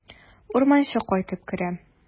Урманчы кайтып керә.